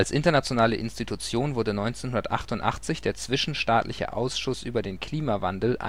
internationale Institution wurde 1988 der Zwischenstaatliche Ausschuss über den Klimawandel